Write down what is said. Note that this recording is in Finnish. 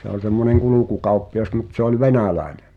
se oli semmoinen kulkukauppias mutta se oli venäläinen